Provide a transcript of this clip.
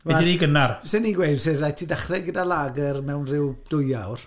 Wel... Neu 'di'n rhy gynnar?... Basen ni'n gweud 'sa raid i ti ddechrau gyda lager mewn ryw dwy awr.